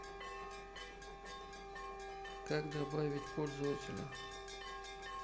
как добавить пользователя